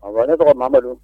AWɔ ne tɔg Mamadou